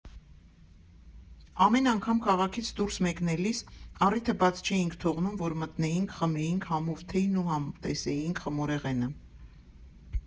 Ամեն անգամ քաղաքից դուրս մեկնելիս առիթը բաց չէինք թողնում, որ մտնեինք, խմեինք համով թեյն ու համտեսեինք խմորեղենը։